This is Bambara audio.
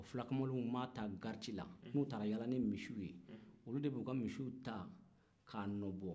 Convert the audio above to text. o fulakamalenw mana taa garidila n'u taara yaala nin misiw ye olu de b'u ka misiw ta k'a nɔbɔ